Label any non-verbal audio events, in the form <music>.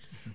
<hesitation> <hesitation>